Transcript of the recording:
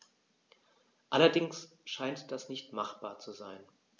Allerdings scheint das nicht machbar zu sein.